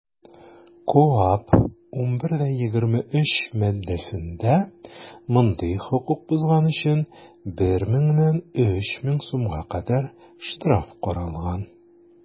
КоАП 11.23 маддәсендә мондый хокук бозган өчен 1 меңнән 3 мең сумга кадәр штраф каралган.